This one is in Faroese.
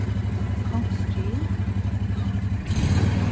kongsgil